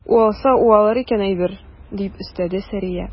Уалса уалыр икән әйбер, - дип өстәде Сәрия.